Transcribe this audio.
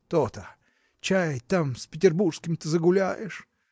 – То-то, чай, там с петербургскими-то загуляешь!